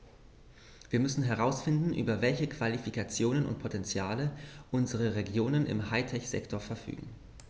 Wir müssen herausfinden, über welche Qualifikationen und Potentiale unsere Regionen im High-Tech-Sektor verfügen.